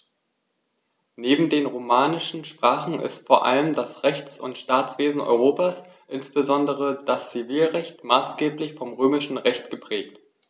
Neben den romanischen Sprachen ist vor allem das Rechts- und Staatswesen Europas, insbesondere das Zivilrecht, maßgeblich vom Römischen Recht geprägt.